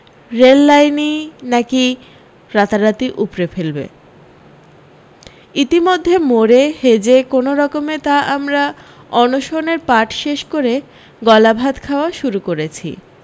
রেলের লাইনি নাকি রাতারাতি উপড়ে ফেলবে ইতিমধ্যে মরে হেজে কোনওরকমে তা আমরা অনশনের পাট শেষকরে গলা ভাত খাওয়া শুরু করেছি